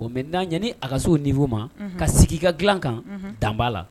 O mɛ n' ɲaani akaso ni'u ma ka sigi i ka dila kan danba la